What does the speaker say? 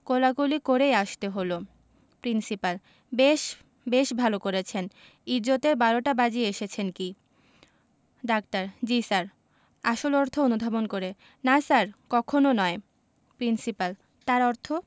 শেষ পর্যন্ত কোলাকুলি করেই আসতে হলো প্রিন্সিপাল বেশ বেশ ভালো করেছেন ইজ্জতের বারোটা বাজিয়ে এসেছেন কি ডাক্তার জ্বী স্যার আসল অর্থ অনুধাবন করে না স্যার কক্ষণো নয় প্রিন্সিপাল তার অর্থ